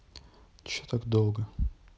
че так долго